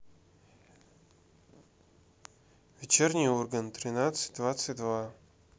вечерний ургант тринадцать двадцать два